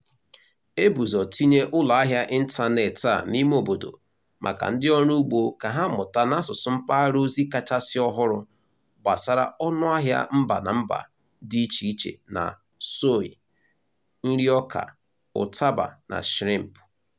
Ebu ụzọ tinye ụlọahịa ịntaneetị a n'imeobodo maka ndị ọrụugbo ka ha mụta n'asụsụ mpaghara ozi kachasị ọhụrụ gbasara ọnụahịa mba na mba dị icheiche na soy, nriọka, ụtaba na shrịmp.